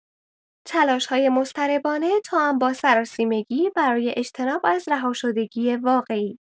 تلاش‌های مضطربانه توام با سراسیمگی برای اجتناب از رهاشدگی واقعی